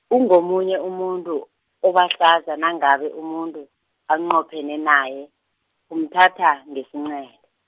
ungomunye umuntu obahlaza nangabe umuntu anqophene naye, umthatha ngesincele.